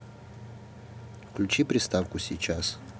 выключи приставку сейчас